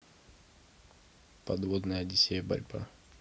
подводная одиссея борьба